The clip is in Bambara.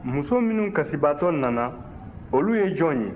muso minnu kasibaatɔ nana olu ye jɔn ye